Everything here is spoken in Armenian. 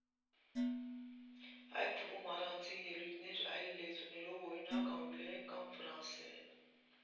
Այդ թվում առանձին ելույթներ այլ լեզուներով, օրինակ՝ անգլերեն կամ ֆրանսերեն։